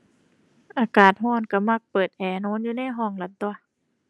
อากาศร้อนร้อนมักเปิดแอร์นอนอยู่ในห้องล่ะตั่ว